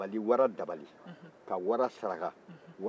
ka dabali wara dabali ka wara saraka